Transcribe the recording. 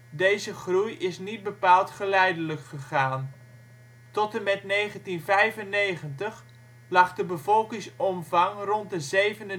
Deze groei is niet bepaald geleidelijk gegaan; tot en met 1995 lag de bevolkingsomvang rond de 3.700 en